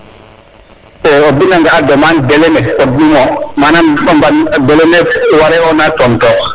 te o mbida nga a demande delais ne pod numo manam a mban delais ne ware ena tontox